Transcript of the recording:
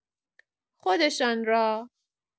خودشان را